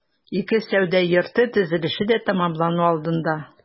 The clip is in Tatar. Ике сәүдә йорты төзелеше дә тәмамлану алдында.